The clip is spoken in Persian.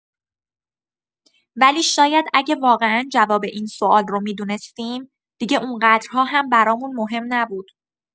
ولی شاید اگه واقعا جواب این سوال رو می‌دونستیم، دیگه اون‌قدرها هم برامون مهم نبود.